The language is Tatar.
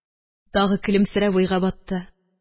Тагы көлемсерәп уйга батты.